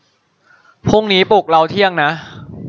พรุ่งนี้ปลุกเราเที่ยงนะ